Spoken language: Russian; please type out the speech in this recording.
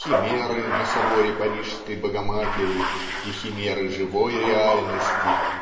химеры на соборе Парижской Богоматери и химеры живой реальности